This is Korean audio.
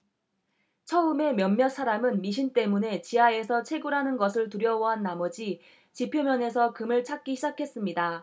처음에 몇몇 사람은 미신 때문에 지하에서 채굴하는 것을 두려워한 나머지 지표면에서 금을 찾기 시작했습니다